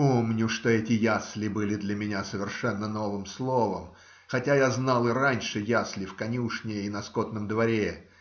Помню, что эти ясли были для меня совершенно новым словом, хотя я знал и раньше ясли в конюшне и на скотном дворе.